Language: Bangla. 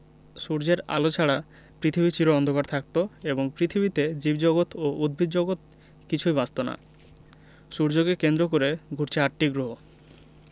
সূর্যের আলো ছাড়া পৃথিবী চির অন্ধকার থাকত এবং পৃথিবীতে জীবজগত ও উদ্ভিদজগৎ কিছুই বাঁচত না সূর্যকে কেন্দ্র করে ঘুরছে আটটি গ্রহ